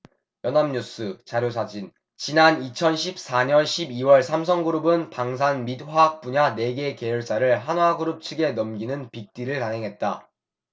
연합뉴스 자료사진 지난 이천 십 사 년 십 이 월 삼성그룹은 방산 및 화학 분야 네 개 계열사를 한화그룹 측에 넘기는 빅딜을 단행했다